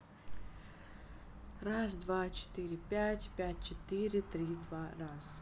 раз два четыре пять пять четыре три два раз